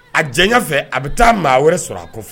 A jɛ ɲɛfɛ a bɛ taa maa wɛrɛ sɔrɔ a ko fɔ